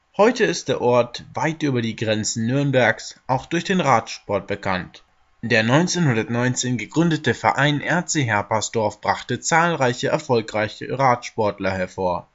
Heute ist der Ort weit über die Grenzen Nürnbergs auch durch den Radsport bekannt. Der 1919 gegründete Verein RC Herpersdorf brachte zahlreiche erfolgreiche Radsportler hervor